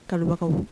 Kalibagakaw